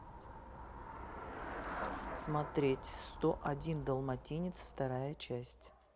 смотреть сто один далматинец вторая часть